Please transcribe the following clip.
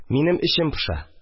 Минем эчем поша